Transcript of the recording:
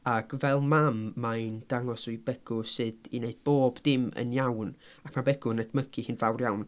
Ac fel mam mae hi'n dangos i Begw sut i wneud bob dim yn iawn ac mae Begw yn edmygu hi'n fawr iawn.